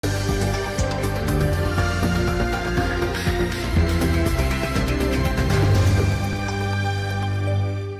Maa